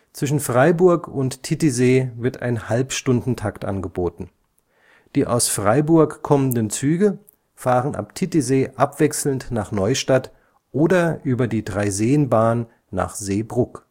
Zwischen Freiburg und Titisee wird ein Halbstundentakt angeboten. Die aus Freiburg kommenden Züge fahren ab Titisee abwechselnd nach Neustadt oder über die Dreiseenbahn nach Seebrugg